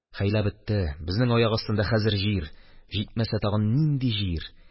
Хәйлә бетте, безнең аяк астында хәзер җир, җитмәсә тагын, нинди җир!